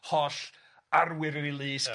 ...holl arwyr yn ei lys... Ia.